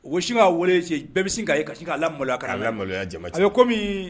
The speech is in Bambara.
O si'a bɛɛ bɛ ka k' ala maloya kɔmi